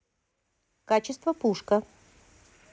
качество пушка